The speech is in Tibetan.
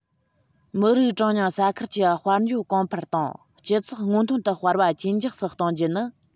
མི རིགས གྲངས ཉུང ས ཁུལ གྱི དཔལ འབྱོར གོང འཕེལ དང སྤྱི ཚོགས སྔོན ཐོན དུ སྤེལ བ ཇེ མགྱོགས སུ གཏོང རྒྱུ ནི